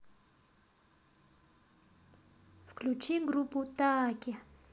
включи группу тааке